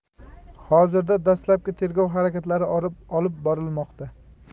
hozirda dastlabki tergov harakatlari olib borilmoqda